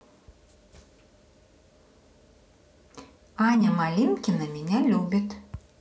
аня малинкина меня любит